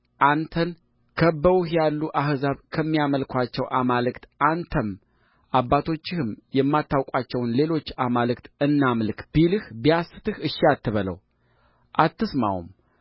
አንተን ከብበውህ ያሉ አሕዛብ ከሚያመልኩአቸው አማልክት አንተም አባቶችህም የማታውቋቸውን ሌሎች አማልክት እናምልክ ብሎ ቢያስትህ እሺ አትበለው አትስማውም